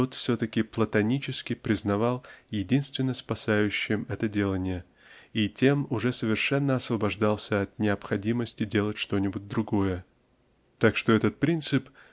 тот все-таки платонически признавал единственно спасающим это делание и тем уже совершенно освобождался от необходимости делать что-нибудь другое так что этот принцип